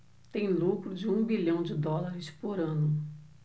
tem lucro de um bilhão de dólares por ano